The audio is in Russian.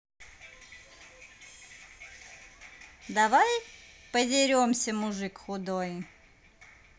давай подеремся мужик худой